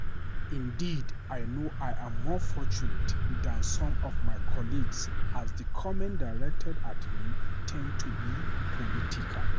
Indeed, I know I am more fortunate than some of my colleagues as the comments directed at me tend to be political.